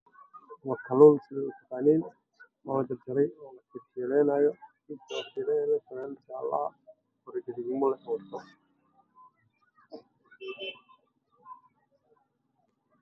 Meeshaan waxaa ka muuqdo kaluun la jarjaray